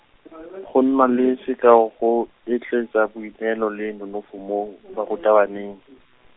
go nna le sekao go, etleetsa boineelo le nonofo mo, barutabaneng.